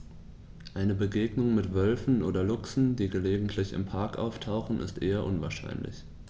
Eine Begegnung mit Wölfen oder Luchsen, die gelegentlich im Park auftauchen, ist eher unwahrscheinlich.